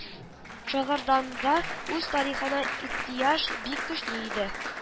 Шыгырданда үз тарихына ихтыяҗ бик көчле иде